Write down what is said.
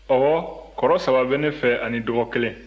ɔwɔ kɔrɔ saba bɛ ne fɛ ani dɔgɔ kelen